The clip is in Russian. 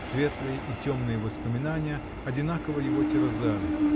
Светлые и темные воспоминания одинаково его терзали